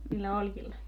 niillä oljilla